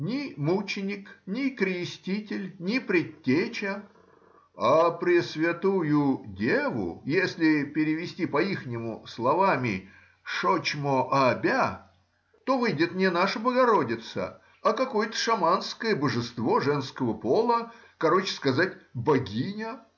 ни мученик, ни креститель, ни предтеча, а пресвятую деву если перевести по-ихнему словами шочмо Абя, то выйдет не наша богородица, а какое-то шаманское божество женского пола,— короче сказать — богиня.